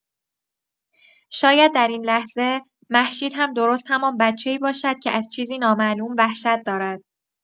شاید در این لحظه، مهشید هم درست همان بچه‌ای باشد که از چیزی نامعلوم وحشت دارد.